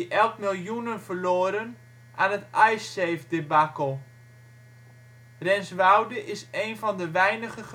elk miljoenen verloren aan het Ice-Save debacle. Renswoude is één van de weinige